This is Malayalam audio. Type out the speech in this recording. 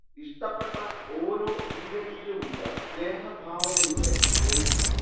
ഇഷ്ടപ്പെട്ട ഓരോ ഈരടിയിലുമുണ്ടു സ്നേഹഭാവനയുടെ ഏഴു നിറം